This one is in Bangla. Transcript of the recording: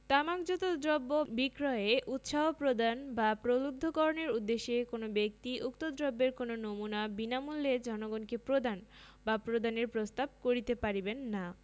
তামাকজাত দ্রব্য বিক্রয়ে উৎসাহ প্রদান বা প্রলুব্ধকরণের উদ্দেশ্যে কোন ব্যক্তি উক্ত দ্রব্যের কোন নমুনা বিনামূল্যে জনগণকে প্রদান বা প্রদানের প্রস্তাব করিতে পারিবেন না